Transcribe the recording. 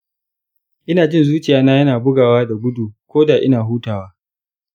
ina jin zuciyana yana bugawa da gudu koda ina hutawa.